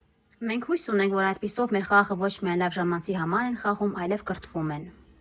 Մենք հույս ունենք, որ այդպիսով մեր խաղը ոչ միայն լավ ժամանցի համար են խաղում, այլև կրթվում են։